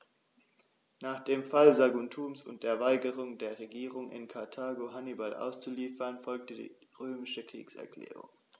Nach dem Fall Saguntums und der Weigerung der Regierung in Karthago, Hannibal auszuliefern, folgte die römische Kriegserklärung.